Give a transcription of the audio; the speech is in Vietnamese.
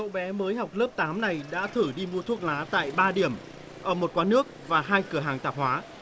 cậu bé mới học lớp tám này đã thử đi mua thuốc lá tại ba điểm ở một quán nước và hai cửa hàng tạp hóa